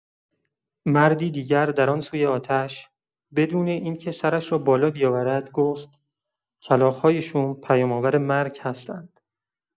مردی دیگر در آن‌سوی آتش، بدون این‌که سرش را بالا بیاورد، گفت: «کلاغ‌های شوم پیام‌آور مرگ هستند.»